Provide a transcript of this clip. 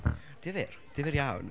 Difyr. Difyr iawn.